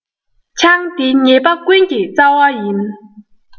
ཆང དེ ཉེས པ ཀུན གྱི རྩ བ ཡིན